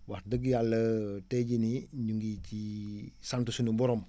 wax dëgg yàlla tey jii nii ñu ngi ci sant suñu borom